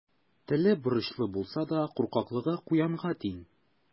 Теле борычлы булса да, куркаклыгы куянга тиң.